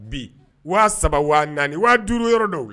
Bi waa saba naani waa duuru yɔrɔ dɔw la